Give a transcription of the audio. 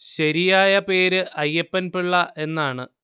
ശരിയായ പേര് അയ്യപ്പൻ പിള്ള എന്നാണ്